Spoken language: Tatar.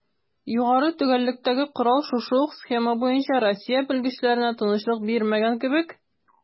Югары төгәллектәге корал шушы ук схема буенча Россия белгечләренә тынычлык бирмәгән кебек: